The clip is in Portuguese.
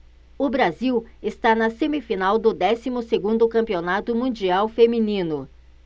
o brasil está na semifinal do décimo segundo campeonato mundial feminino